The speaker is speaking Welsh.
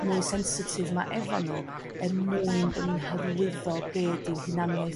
mwy sensitif 'ma efo nhw er mwyn bo ni'n hyrwyddo be' dyw hunaniaeth